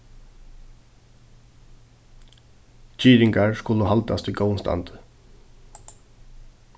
girðingar skulu haldast í góðum standi